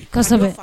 Kosɛbɛ